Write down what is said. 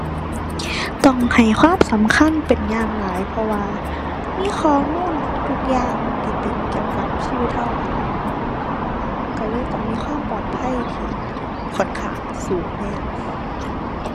ต้องให้ความสำคัญเป็นอย่างหลาย เพราะว่ามีข้อมูลทุกอย่างที่เป็นเกี่ยวกับชีวิตเราเราเลยต้องมีความปลอดภัยที่ค่อนข้างสูงเรา